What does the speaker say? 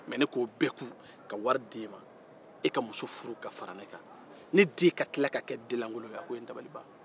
mɛ ne k'o bɛɛ kun ka wari d'e ma e ka muso furu ka fara ne kan ne den ka tila ka kɛ denlankolo a k'o ye n dabali ban